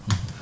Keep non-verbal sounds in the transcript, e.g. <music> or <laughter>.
<hesitation> <hesitation>